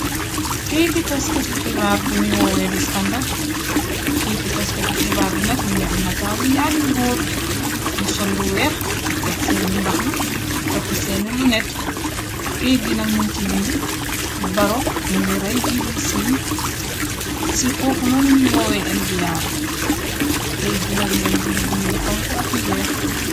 keyti taskati xibaar buñuy woowee de standard keyti taskati xibaar bi nag mungi am nataali ñaar ñu góor ñu sollu weex teg seeni mbaxna takk seeni lu nett keyt gina num ci bind baro mu ngi ray gdc ci foofu noonu ñuy woowee nbr keyt gina ngam bind-bind yu xomxo ak yu weex